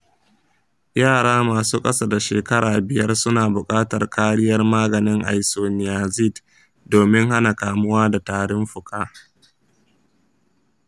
yara masu ƙasa da shekara biyar suna buƙatar kariyar maganin isoniazid domin hana kamuwa da tarin fuka.